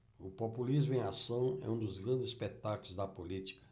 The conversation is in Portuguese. o populismo em ação é um dos grandes espetáculos da política